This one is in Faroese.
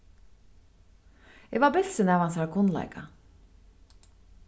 eg varð bilsin av hansara kunnleika